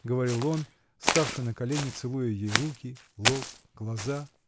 — говорил он, ставши на колени, целуя ей руки, лоб, глаза.